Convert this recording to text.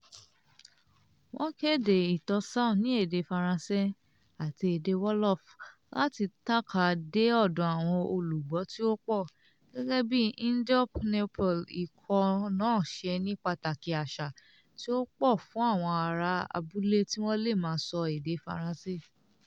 Wọ́n kéde ìtàn Sow ní èdè Faransé àti èdè Wolof láti tànká dé ọ̀dọ́ àwọn olùgbọ́ tí ó pọ̀, gẹ́gẹ́ bíi ndeup neupal ikọ̀ náà ṣe ní pàtàkì àṣà tí ó pọ̀ fún àwọn ará abúlé tí wọ́n le má sọ èdè Faransé.